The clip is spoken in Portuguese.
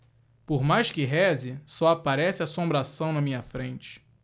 por mais que reze só aparece assombração na minha frente